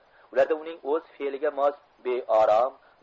ularda uning o'z feliga mos beorom